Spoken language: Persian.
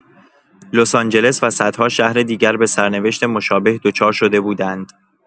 لس‌آنجلس و صدها شهر دیگر به سرنوشت مشابه دچار شده بودند.